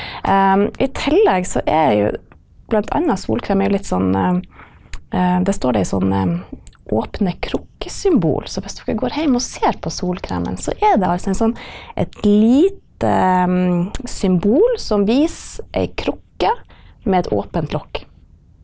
i tillegg så er jo bl.a. solkrem er jo litt sånn der står det jo sånne åpne krukkesymbol, så hvis dere går heim og ser på solkremen så er det altså en sånn et lite symbol som viser ei krukke med et åpent lokk.